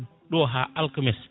ɗo ha alkamisa